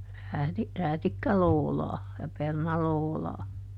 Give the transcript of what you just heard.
- räätikkälootaa ja perunalootaa